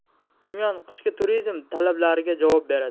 chimyon qishki turizm talablariga javob beradi